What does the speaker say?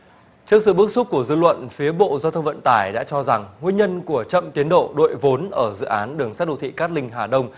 trước sự bức xúc của dư luận phía bộ giao thông vận tải đã cho rằng nguyên nhân của chậm tiến độ đội vốn ở dự án đường sắt đô thị cát linh hà đông